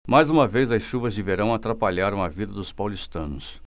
mais uma vez as chuvas de verão atrapalharam a vida dos paulistanos